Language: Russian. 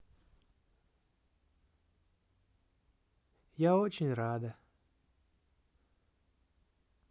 я очень рада